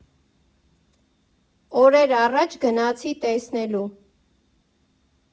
Օրեր առաջ գնացի տեսնելու։